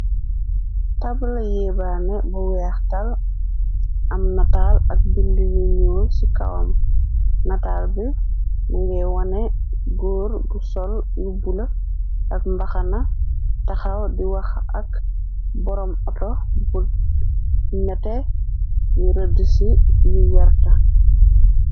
Tableau yehbaane bu weex tal, am natal ak bindue yu njull ci kawam, nataal bi mungeh woneh gorre gu sol lu bleu ak mbaxana, taxaw di wakh ak bohrom autor bu nehteh ni rehddue ci yu wehrrta.